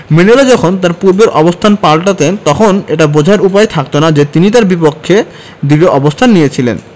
Mandela যখন তাঁর পূর্বের অবস্থান পাল্টাতেন তখন এটা বোঝার উপায়ই থাকত না যে তিনি এর বিপক্ষে দৃঢ় অবস্থান নিয়েছিলেন